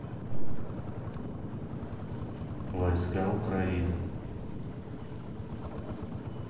войска украины